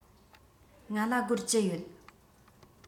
ང ལ སྒོར བཅུ ཡོད